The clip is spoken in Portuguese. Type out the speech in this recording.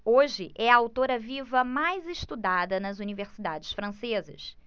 hoje é a autora viva mais estudada nas universidades francesas